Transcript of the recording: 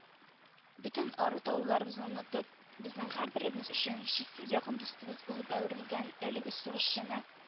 Бөтен ару-талуларыбызны онытып, безнең һәрберебез өчен чиксез якын дустыбыз булып әверелгән әлеге сугышчыны